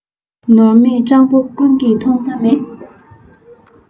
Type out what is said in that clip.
ནོར མེད སྤྲང བོ ཀུན གྱིས མཐོང ས མེད